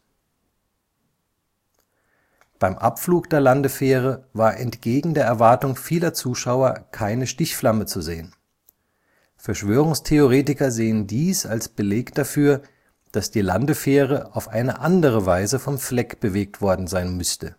Beim Abflug der Landefähre war entgegen der Erwartung vieler Zuschauer keine Stichflamme zu sehen. Verschwörungstheoretiker sehen dies als Beleg dafür, dass die Landefähre auf eine andere Weise vom Fleck bewegt worden sein müsste